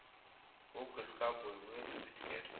Ул кыска буйлы, үткер